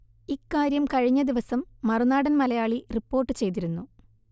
ഇക്കാര്യം കഴിഞ്ഞ ദിവസം മറുനാടൻ മലയാളി റിപ്പോർട്ട് ചെയ്തിരുന്നു